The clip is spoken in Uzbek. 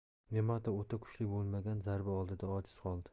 ne'matov o'ta kuchli bo'lmagan zarba oldida ojiz qoldi